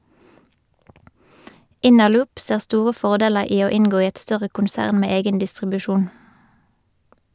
Innerloop ser store fordeler i å inngå i et større konsern med egen distribusjon.